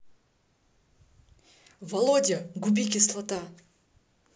володя губи кислота